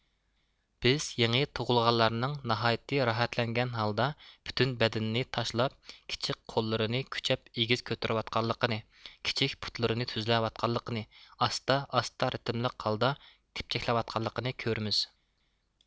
بىز يېڭى تۇغۇلغانلارنىڭ ناھايىتى راھەتلەنگەن ھالدا پۈتۈن بەدىنىنى تاشلاپ كىچىك قوللىرىنى كۈچەپ ئېگىز كۆتۈرۈۋاتقانلىقىنى كىچىك پۇتلىرىنى تۈزلەۋاتقانلىقىنى ئاستا ئاستا رىتىملىق ھالدا تېپچەكلەۋاتقانلىقىنى كۆرىمىز